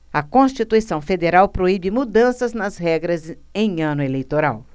a constituição federal proíbe mudanças nas regras em ano eleitoral